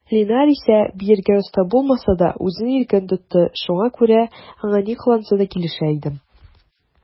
Линар исә, биергә оста булмаса да, үзен иркен тотты, шуңа күрә аңа ни кыланса да килешә иде.